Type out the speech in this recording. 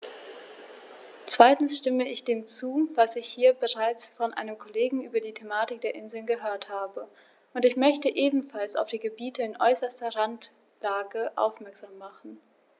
Zweitens stimme ich dem zu, was ich hier bereits von einem Kollegen über die Thematik der Inseln gehört habe, und ich möchte ebenfalls auf die Gebiete in äußerster Randlage aufmerksam machen.